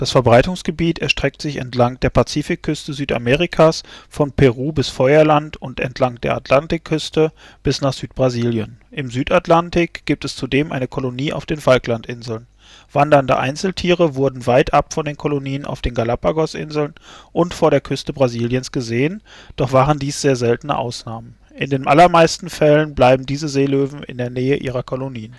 Verbreitungsgebiet erstreckt sich entlang der Pazifikküste Südamerikas von Peru bis Feuerland, und entlang der Atlantikküste bis nach Südbrasilien. Im Südatlantik gibt es zudem eine Kolonie auf den Falklandinseln. Wandernde Einzeltiere wurden weitab von den Kolonien auf den Galapagos-Inseln und vor der Küste Brasiliens gesehen, doch waren dies sehr seltene Ausnahmefälle. In den allermeisten Fällen bleiben diese Seelöwen in der Nähe ihrer Kolonien